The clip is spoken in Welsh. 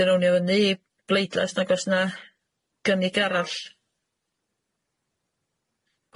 Fe rown ni o fyny bleidlais os nag os na gynnig arall.